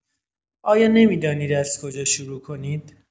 آیا نمی‌دانید از کجا شروع کنید؟